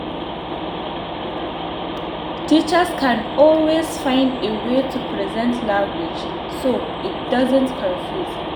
Teachers can always find a way to present language so it doesn’t confuse.